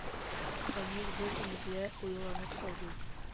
Гамир бер мөглә уйланып калды